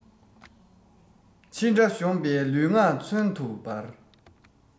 ཕྱི དགྲ གཞོམ པའི ལུས ངག མཚོན དུ འབར